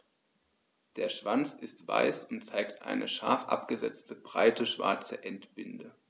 Der Schwanz ist weiß und zeigt eine scharf abgesetzte, breite schwarze Endbinde.